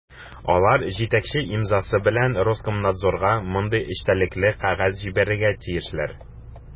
Алар җитәкче имзасы белән Роскомнадзорга мондый эчтәлекле кәгазь җибәрергә тиешләр: